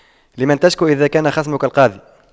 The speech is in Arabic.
لمن تشكو إذا كان خصمك القاضي